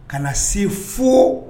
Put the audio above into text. Ka na se fo